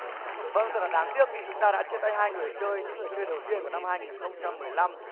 vâng thật là đáng tiếc khi chúng ta đã chia tay hai người chơi những người chơi đầu tiên của năm hai nghìn không trăm mười lăm